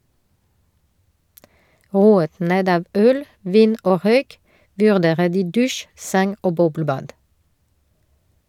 Roet ned av øl, vin og røyk vurderer de dusj, seng og boblebad.